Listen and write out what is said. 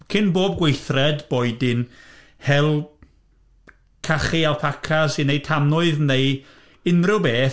Cyn bob gweithred, boed hi'n hel cachu alpacas i wneud tanwydd neu unrhyw beth.